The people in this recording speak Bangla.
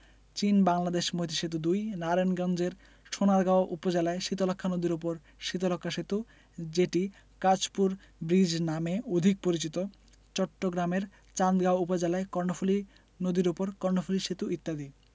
চীন বাংলাদেশ মৈত্রী সেতু ২ নারায়ণগঞ্জের সোনারগাঁও উপজেলায় শীতলক্ষ্যা নদীর উপর শীতলক্ষ্যা সেতু যেটি কাঁচপুর ব্রীজ নামে অধিক পরিচিত চট্টগ্রামের চান্দগাঁও উপজেলায় কর্ণফুলি নদীর উপর কর্ণফুলি সেতু ইত্যাদি